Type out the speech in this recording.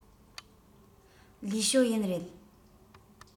ལིའི ཞའོ ཡན རེད